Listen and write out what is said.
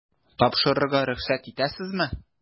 Тапшырырга рөхсәт итәсезме? ..